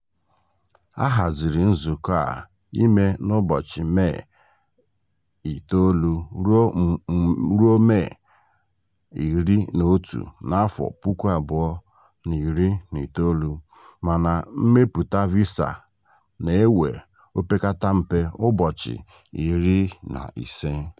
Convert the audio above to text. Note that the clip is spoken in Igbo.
A hazịrị nzukọ a ime n'ụbọchị Mee 9 ruo Mee 11, 2019, mana mmepụta visa na-ewe opekata mpe ụbọchị 15.